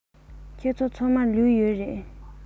ཁྱེད ཚོ ཚང མར ལུག ཡོད རེད